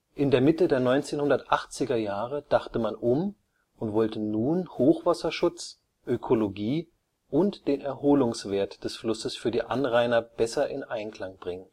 In der Mitte der 1980er Jahre dachte man um und wollte nun Hochwasserschutz, Ökologie und den Erholungswert des Flusses für die Anrainer besser in Einklang bringen